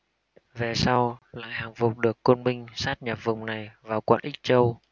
về sau lại hàng phục được côn minh sáp nhập vùng này vào quận ích châu